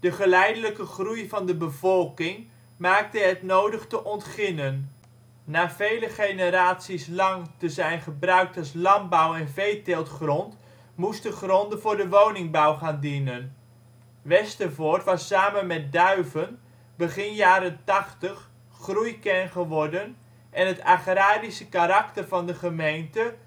geleidelijke groei van de bevolking maakte het nodig te ontginnen. Na vele generaties lang te zijn gebruikt als landbouw - en veeteeltgrond, moesten gronden voor de woningbouw gaan dienen. Westervoort was samen met Duiven begin jaren ' 80 groeikern geworden en het agrarische karakter van de gemeente